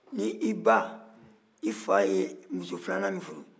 n'i ba i fa ye muso filanan min furu